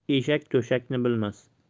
eshak to'shakni bilmas